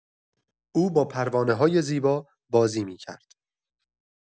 او با پروانه‌های زیبا بازی می‌کرد.